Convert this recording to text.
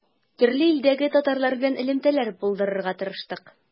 Төрле илдәге татарлар белән элемтәләр булдырырга тырыштык.